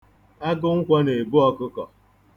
Agụnkwọ na-ebu ọkụkọ.